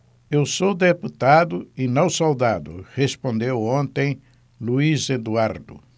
eu sou deputado e não soldado respondeu ontem luís eduardo